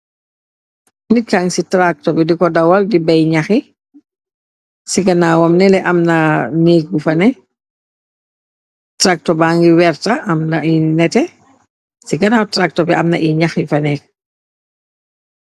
Niit kang ci traktor bi di ko dawal di bay ñaxi ci ganaw am nele amna nég fane tracto ba ngi werta amna nete ci ganaaw tractor bi amna i ñaxi fanéek.